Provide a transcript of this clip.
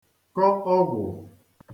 kọ ọgwụ̀